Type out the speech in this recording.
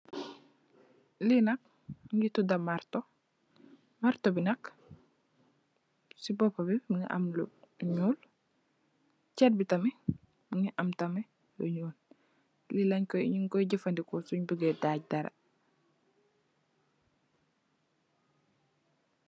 Lii nak mungy tuda maartoh, maartoh bii nak cii bopah bi mungy am lu njull, chhat bii tamit mungy am tamit lu njull, lii lai njung kor jeufandehkor sungh bugeh daajj dara.